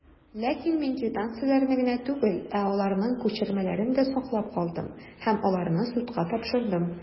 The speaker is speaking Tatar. Ләкин мин квитанцияләрне генә түгел, ә аларның күчермәләрен дә саклап калдым, һәм аларны судка тапшырдым.